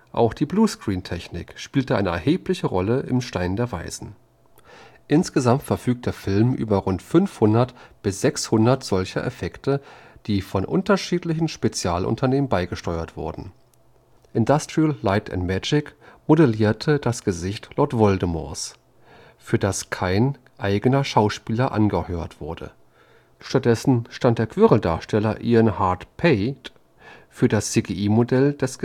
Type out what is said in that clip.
Auch die Bluescreen-Technik spielt eine erhebliche Rolle im Stein der Weisen. Insgesamt verfügt der Film über rund 500 bis 600 solcher Effekte, die von unterschiedlichen Spezialunternehmen beigesteuert wurden: Industrial Light & Magic modellierte das Gesicht Lord Voldemorts, für das kein eigener Schauspieler angeheuert wurde; stattdessen stand der Quirrell-Darsteller Ian Hart Pate für das CGI-Modell des Gesichts